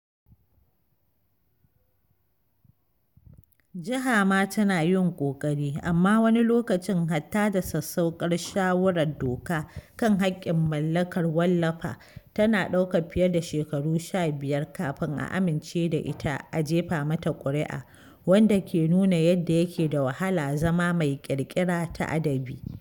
Jiha ma tana yin ƙoƙari, amma wani lokacin hatta da sassauƙar shawarar doka kan haƙƙin mallakar wallafa tana ɗaukar fiye da shekaru 15 kafin a amince da ita a jefa mata ƙuri’a, wanda ke nuna yadda yake da wahala zama mai ƙirƙira taa adabi.